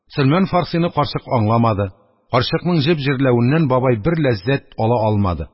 Сәлман Фарсины карчык аңламады, карчыкның җеп җерләвеннән бабай бер ләззәт ала алмады.